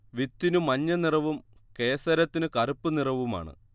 വിത്തിനു മഞ്ഞനിറവും കേസരത്തിനു കറുപ്പു നിറവുമാണ്